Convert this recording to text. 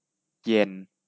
เย็น